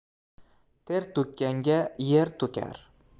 ter to'kkanga yer to'kar